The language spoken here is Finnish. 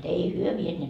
ei he vieneet